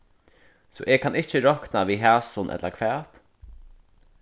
so eg kann ikki rokna við hasum ella hvat